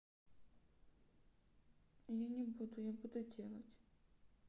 я не буду я буду делать